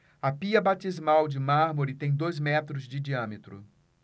a pia batismal de mármore tem dois metros de diâmetro